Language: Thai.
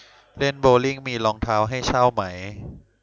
เล่นโบว์ลิ่งมีรองเท้าให้เช่าไหม